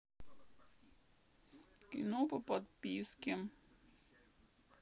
кино по подписке